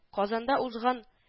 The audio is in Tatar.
Казанда узган